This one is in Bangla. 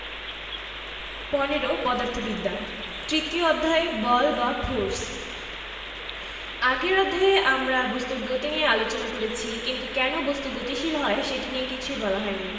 ১৫ পদার্থবিদ্যা তৃতীয় অধ্যায় বল বা ফোরস আগের অধ্যায়ে আমরা বস্তুর গতি নিয়ে আলোচনা করেছি কিন্তু কেন বস্তু গতিশীল হয় সেটি নিয়ে কিছু বলা হয়নি